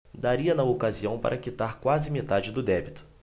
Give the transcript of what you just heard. daria na ocasião para quitar quase metade do débito